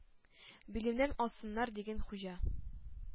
Билемнән ассыннар,— дигән Хуҗа.